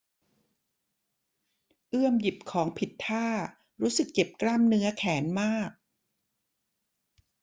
เอื้อมหยิบของผิดท่ารู้สึกเจ็บกล้ามเนื้อแขนมาก